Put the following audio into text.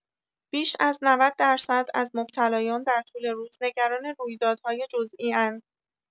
بیش از نود درصد از مبتلایان در طول روز نگران رویدادهای جزئی‌اند!